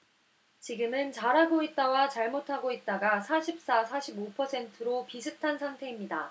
지금은 잘하고 있다와 잘못하고 있다가 사십 사 사십 오 퍼센트로 비슷한 상태입니다